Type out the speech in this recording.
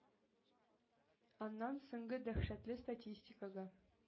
Аннан соңгы дәһшәтле статистикага,